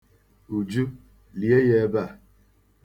Uju, lie ya ebe a.